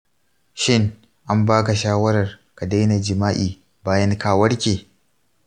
shin an baka shawarar ka daina jima'i bayan ka warke?